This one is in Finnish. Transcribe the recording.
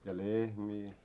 ja lehmiä ja